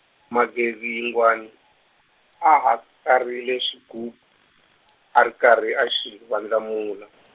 Magezi Yingwani, a hakarhile xigubu, a ri karhi a xi vandlamula.